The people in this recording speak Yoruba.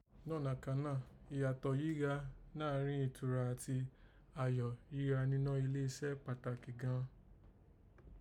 Nọ̀nà kàn náà, ìyàtò yìí gha nàárín ìtura àti ayọ̀ yìí gha ninọ́ ile se kpàtàkì gàn an